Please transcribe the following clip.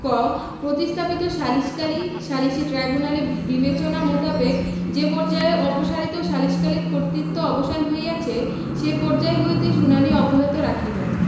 ক প্রতিস্থাপিত সালিসকারী সালিসী ট্রাইব্যুনালের বিচেনা মোতাবেক যে পর্যায়ে অপসারিত সালিসকারীর কর্তৃক্ব অবসান হইয়াছে সেই পর্যায় হইতে শুনানী অব্যাহত রাখিবেন